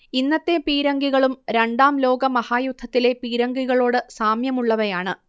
ഇന്നത്തെ പീരങ്കികളും രണ്ടാം ലോകമഹായുദ്ധത്തിലെ പീരങ്കികളോട് സാമ്യമുള്ളവയാണ്